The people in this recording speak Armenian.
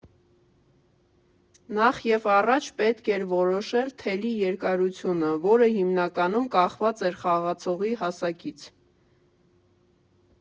Նախ և առաջ պետք էր որոշել թելի երկարությունը, որը հիմնականում կախված էր խաղացողի հասակից։